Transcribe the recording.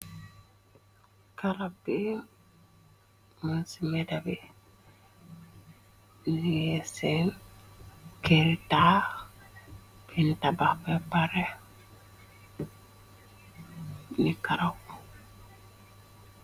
Garap bi mun ci mbedabi gi ngee sèèn kerri taax bin tabax ba paré ñi karó ko.